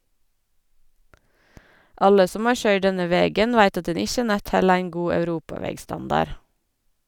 Alle som har køyrd denne vegen veit at den ikkje nett held ein god europavegstandard.